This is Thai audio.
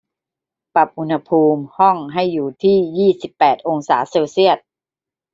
ปรับอุณหภูมิห้องให้อยู่ที่ยี่สิบแปดองศาเซลเซียส